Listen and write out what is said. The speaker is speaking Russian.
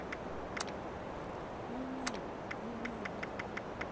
ну нет не надо